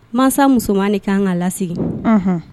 Mansa musoman de ka kan ka lasigi